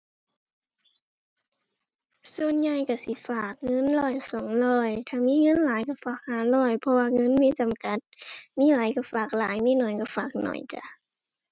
ส่วนใหญ่ก็สิฝากเงินร้อยสองร้อย ถ้ามีเงินหลายก็ฝากห้าร้อย เพราะว่าเงินมีจำกัด มีหลายก็ฝากหลาย มีน้อยก็ฝากน้อยจ้า